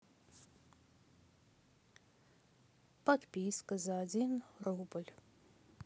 подписка за один рубль